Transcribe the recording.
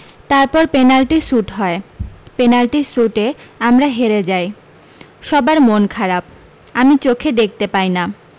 তার পর penalty shoot হয় পেনাল্টি সুট এ আমরা হেরে যাই সবার মন খারাপ আমি চোখে দেখতে পাই না